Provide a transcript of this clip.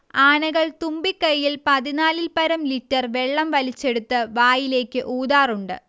ആനകൾ തുമ്പിക്കൈയിൽ പതിനാലിൽപ്പരം ലിറ്റർ വെള്ളം വലിച്ചെടുത്ത് വായിലേക്ക് ഊതാറുണ്ട്